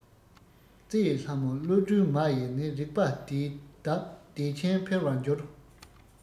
རྩི ཡི ལྷ མོ བློ གྲོས མ ཡི ནི རིག པ འདིས གདབ བདེ ཆེན འཕེལ བར འགྱུར